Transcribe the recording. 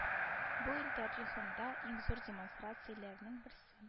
Бу ил тарихында иң зур демонстрацияләрнең берсе